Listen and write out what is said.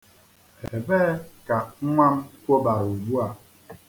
Ebee ka nnwa m kwobara ugbua?